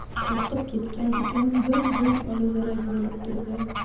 qo'rqib ketgan ukam bir zum olazarak bo'lib turdi